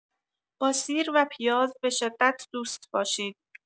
با سیر و پیاز به‌شدت دوست باشید.